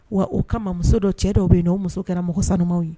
Wa o kama muso dɔ cɛ dɔw bɛ yen na o muso kɛra mɔgɔ sanuw ye